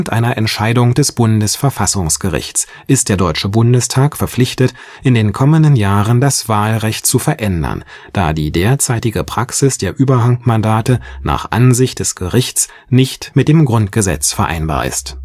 einer Entscheidung des Bundesverfassungsgerichts ist der Deutsche Bundestag verpflichtet, in den kommenden Jahren das Wahlrecht zu verändern, da die derzeitige Praxis der Überhangmandate nach Ansicht des Gerichts nicht mit dem Grundgesetz vereinbar ist